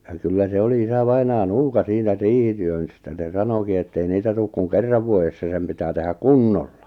ja kyllä se oli isävainaja nuuka siinä - riihityöstä se sanoikin että ei niitä tule kuin kerran vuodessa sen pitää tehdä kunnolla